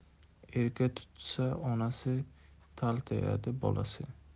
erka tutsa onasi taltayadi bolasi